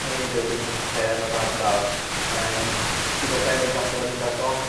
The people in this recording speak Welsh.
hen buildings a pethe yn yr ardal yym sydd o beryg falle o mynd ar goll